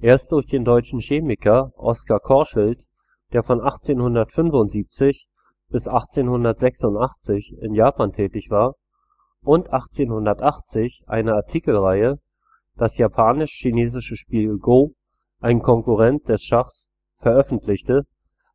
Erst durch den deutschen Chemiker Oskar Korschelt, der von 1875 bis 1886 in Japan tätig war und 1880 eine Artikelreihe Das Japanisch-chinesische Spiel „ Go “. Ein Concurrent des Schach veröffentlichte,